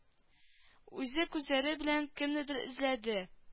Үзе күзләре белән кемнедер эзләде